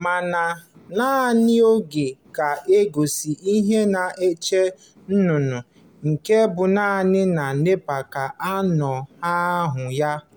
Mana naanị oge ga-egosi ihe na-eche nnụnụ nke bụ naanị na Nepal ka a na-ahụ ya.